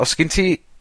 o's gin ti